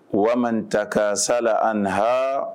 Waati ta ka sa la ani h